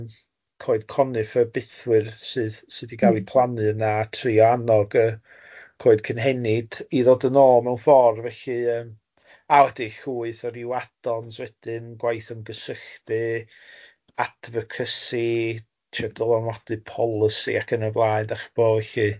coed coniffer bythwyrdd sydd sy di cal i plannu yna a trio annog y y coed cynnhenid i ddod yn ôl mewn ffor felly yym, a wedyn llwyth o ryw add-ons wedyn, gwaith ymgysylltu, advocacy, tibod dylanwadu polisi ac yn y blaen dach chibod felly.